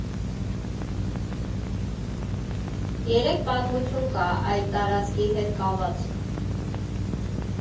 Երեք պատմություն կա այդ տարածքի հետ կաված։